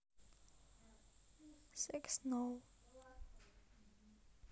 секс no